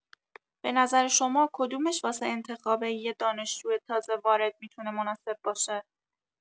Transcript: به نظر شما کدومش واسه انتخاب یه دانشجو تازه‌وارد می‌تونه مناسب باشه؟